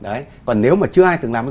đấy còn nếu mà chưa ai từng làm